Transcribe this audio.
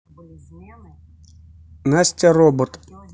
настя робот